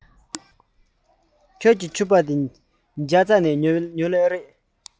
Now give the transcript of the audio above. ཁྱེད རང གི ཕྱུ པ དེ རྒྱ ཚ ནས གཟིགས པས